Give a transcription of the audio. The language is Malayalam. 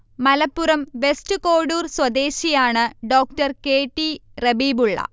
മലപ്പുറം വെസ്റ്റ് കോഡൂർ സ്വദേശിയാണ് ഡോ കെ ടി റബീബുള്ള